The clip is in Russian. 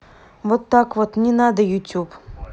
вот так вот не надо youtube